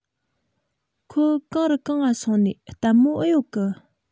ཁོད གང རི གང ང སོང ནིས ལྟད མོ ཨེ ཡོད གི